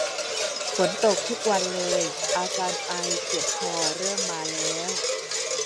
ฝนตกทุกวันเลยอาการไอเจ็บคอเริ่มมาแล้ว